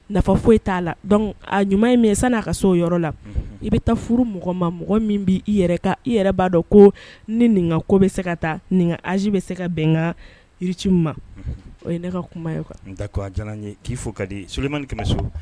Nafa foyi t'a la dɔn ɲuman in min sani'a ka so o yɔrɔ la i bɛ taa furu mɔgɔ ma mɔgɔ min bɛ i yɛrɛ ka i yɛrɛ b'a dɔn ko ni nin ko bɛ se ka taa nin az bɛ se ka bɛn n jiriti ma o ye ne ka kuma da jɔn ye k'i fo ka di solima kɛmɛ so